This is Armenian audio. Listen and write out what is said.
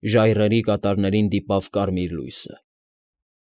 Ժայռերի կատարներին դիպավ կարմիր լույսը։